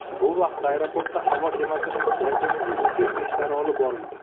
bu vaqtda aeroportda havo kemasining yakuniy dezinfeksiya ishlari olib borildi